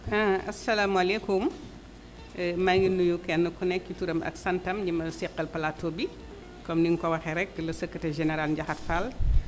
asalaamualeykum maa ngi nuyu kenn ku ne ci turam ak santam ñi ma seqal plateau bi comme ni nga ko waxee rek le secretaire général Ndiakhate Fall